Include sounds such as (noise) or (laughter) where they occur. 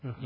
(hesitation) (hesitation)